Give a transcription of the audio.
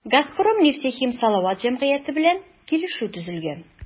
“газпром нефтехим салават” җәмгыяте белән килешү төзелгән.